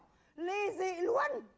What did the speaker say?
li dị luôn